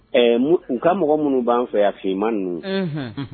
U ka mɔgɔ minnu b'an fɛ a f iima ninnu